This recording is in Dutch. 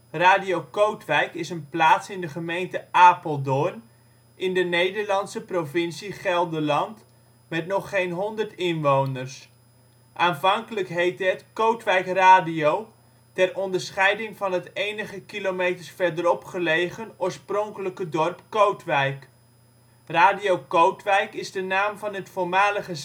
Radio Kootwijk is een plaats in de gemeente Apeldoorn, in de Nederlandse provincie Gelderland, met nog geen 100 inwoners. Aanvankelijk heette het Kootwijk Radio, ter onderscheiding van het enige kilometers verderop gelegen oorspronkelijke dorp Kootwijk; Radio Kootwijk is de naam van het voormalige